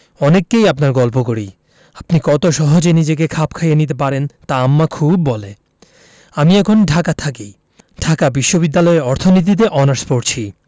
অনেককেই আপনার গল্প করি আপনি কত সহজে নিজেকে খাপ খাইয়ে নিতে পারেন তা আম্মা খুব বলে আমি এখন ঢাকা থাকি ঢাকা বিশ্ববিদ্যালয়ে অর্থনীতিতে অনার্স পরছি